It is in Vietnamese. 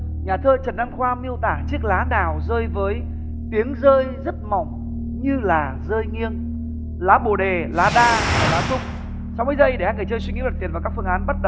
nhà thơ trần đăng khoa miêu tả chiếc lá nào rơi với tiếng rơi rất mỏng như là rơi nghiêng lá bồ đề lá đa lá trúc sáu mươi giây để người chơi suy nghĩ và đặt tiền vào các phương án bắt